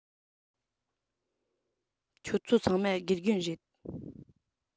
ཁྱོད ཚོ ཚང མ དགེ རྒན རེད